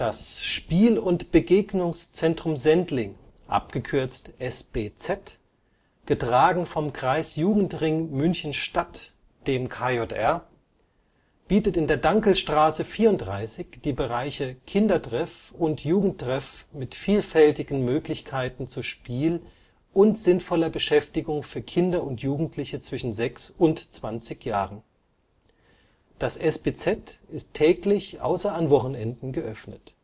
Spiel - und Begegnungszentrum Sendling (SBZ), getragen vom Kreisjugendring München-Stadt (KJR) bietet in der Danklstraße 34 die Bereiche Kindertreff und Jugendtreff mit vielfältigen Möglichkeiten zu Spiel und sinnvoller Beschäftigung für Kinder und Jugendliche zwischen sechs und 20 Jahren. Das SBZ ist täglich außer an Wochenenden geöffnet